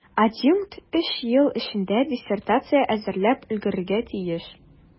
Адъюнкт өч ел эчендә диссертация әзерләп өлгерергә тиеш.